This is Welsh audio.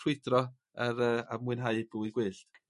crwydro yy a mwynhau b'wyd gwyll'.